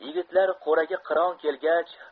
yigitlar qo'riga qiron kelgach